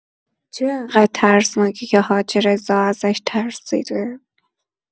چی انقدر ترسناکه که حاج رضا ازش ترسیده؟